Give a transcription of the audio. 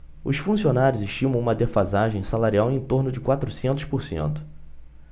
os funcionários estimam uma defasagem salarial em torno de quatrocentos por cento